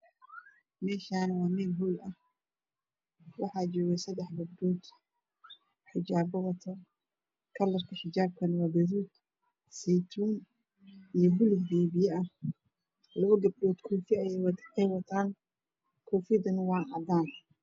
Halkan waa mel hool ah wax joogo sadax gabdhod dharka kalara ey watan waa baluug iyo baar iyo seytuun